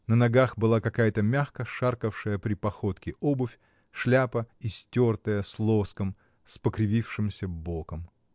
На ногах была какая-то мягко шаркавшая при походке обувь, шляпа истертая, с лоском, с покривившимся боком.